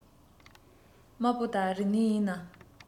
དམར པོ དག རིག གནས ཡིན ནམ